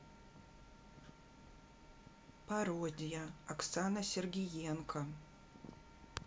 пародия оксана сергиенко